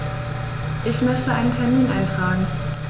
Ich möchte einen Termin eintragen.